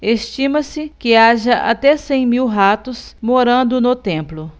estima-se que haja até cem mil ratos morando no templo